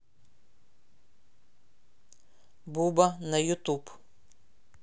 буба на ютуб